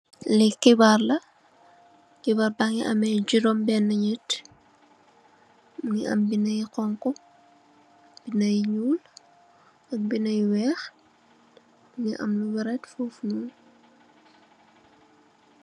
Le hebarr la. hebarr ba ngi am juromba nit mugi ameh bendi yu honhu, binda yu ñuul ak binda yu weyh mu ameh lu waret fufunonu.